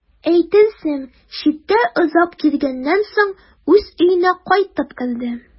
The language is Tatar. Әйтерсең, читтә озак йөргәннән соң үз өенә кайтып керде.